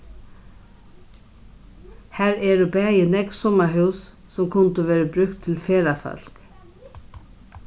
har eru bæði nógv summarhús sum kundu verið brúkt til ferðafólk